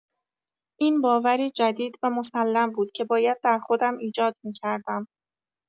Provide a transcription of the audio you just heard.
این باوری جدید و مسلم بود که باید در خودم ایجاد می‌کردم.